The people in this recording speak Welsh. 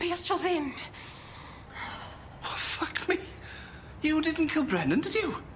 Be' os 'di o ddim? Oh, fuck me. You didn't kill Brennan, did you?